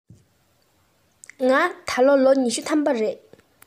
ང ད ལོ ལོ ཉི ཤུ ཐམ པ རེད